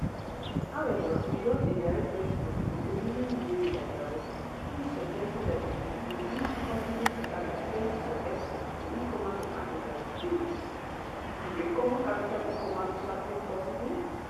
However, he got a direct response from Oluniyi David Ajao who is suggesting that it is indeed possible to participate to some extent in e-commerce from Africa, today: Is a common African e-commerce platform possible?